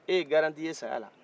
e ye garantie ye saya la